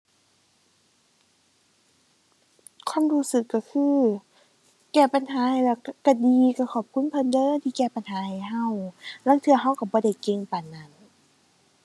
ความรู้สึกก็คือแก้ปัญหาให้แล้วก็ ก็ดี ก็ขอบคุณเพิ่นเด้อ ที่แก้ปัญหาให้ก็ ลางเทื่อก็ก็บ่ได้เก่งปานนั้น